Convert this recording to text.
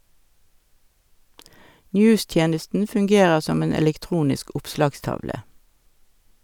News-tjenesten fungerer som en elektronisk oppslagstavle.